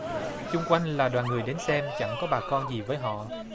xung quanh là đoàn người đến xem chẳng có bà con gì với họ